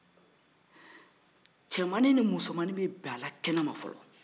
cɛmanin ni musomanin b'i b'a la kɛnɛ ma fɔlɔ